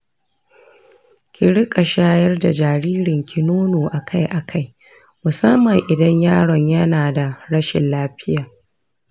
ki riƙa shayar da jaririnki nono akai-akai, musamman idan yaron yana da rashin lafiya.